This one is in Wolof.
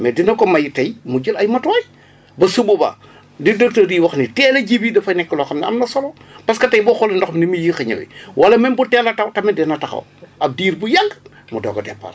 mais dina ko may tey mu jël ay matuwaay ba su boobaa li docteur di wax ni teel a ji dafay nekk loo xam ne am na solo parce tey boo xoolee ndox mi ni muy yéex a ñëwee wala même bu teel a taw tamit dina taxaw ab diir bu yàgg mu doog a départ